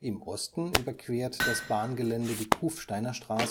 Im Osten überquert das Bahngelände die Kufsteiner Straße